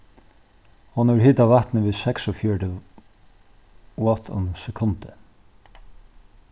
hon hevur hitað vatnið við seksogfjøruti watt um sekundið